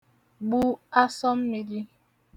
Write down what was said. gbụ asọ mmili